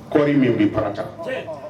Kɔri min b bɛ parata